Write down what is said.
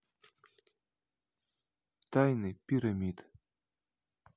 тайны пирамид